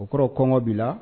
O kɔrɔ kɔngɔ b'i